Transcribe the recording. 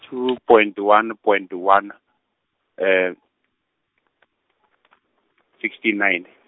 two point one point one, , sixty nine.